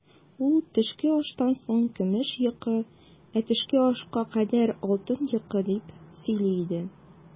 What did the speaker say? Ул, төшке аштан соң көмеш йокы, ә төшке ашка кадәр алтын йокы, дип сөйли иде.